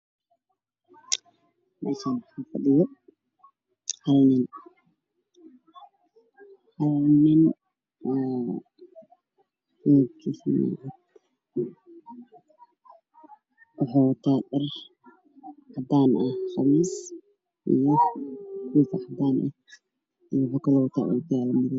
Meeshaan waxaa fadhiyo hal nin oo wato dhar cadaan ah sida qamiis iyo ookiyaalo madow ah.